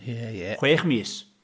Ie, ie... chwech mis.